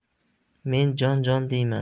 men jon jon deyman